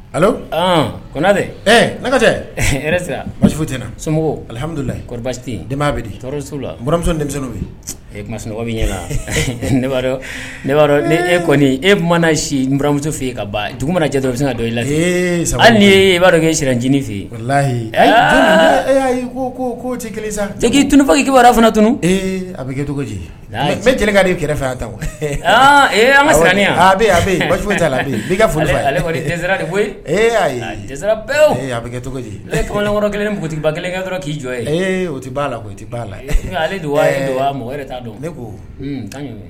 Ale ko lakatɛfu so alihamududulila'a lamuso denmisɛnnin ma sunɔgɔ min e kɔni e mana simuso f yen ka ba dugu mana jɛ dɔrɔnfin ka i la hali e b'adɔ e sirancinin fɛhi e y'a ko' ci sa k'i tunfɔ k' kibawaruya fana tun ee a bɛ kɛ cogo bɛɛ jelikɛ ka de' kɛrɛfɛ ta aa e ma siran a a ba la a bi foli de koyi a bɛ kɛ cogo ekɔrɔ kelen npogotigiba kelen k'i jɔ o tɛ la tɛ la dɔn ne ko